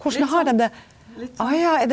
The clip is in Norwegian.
litt sånn litt sånn.